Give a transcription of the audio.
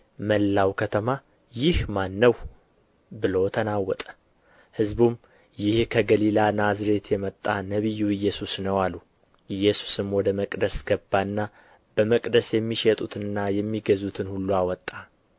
መላው ከተማ ይህ ማን ነው ብሎ ተናወጠ ሕዝቡም ይህ ከገሊላ ናዝሬት የመጣ ነቢዩ ኢየሱስ ነው አሉ ኢየሱስም ወደ መቅደስ ገባና በመቅደስ የሚሸጡትንና የሚገዙትን ሁሉ አወጣ